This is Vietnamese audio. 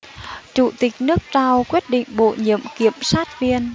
chủ tịch nước trao quyết định bổ nhiệm kiểm sát viên